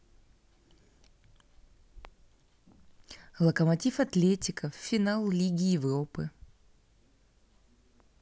локомотив атлетико в финал лиги европы